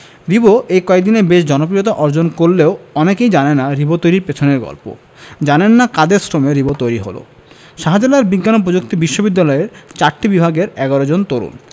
রিবো এই কয়দিনে বেশ জনপ্রিয়তা অর্জন করলেও অনেকেই জানেন না রিবো তৈরির পেছনের গল্প জানেন না কাদের শ্রমে রিবো তৈরি হলো শাহজালাল বিজ্ঞান ও প্রযুক্তি বিশ্ববিদ্যালয়ের চারটি বিভাগের ১১ জন তরুণ